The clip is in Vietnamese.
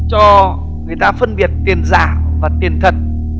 cho người ta phân biệt tiền giả và tiền thật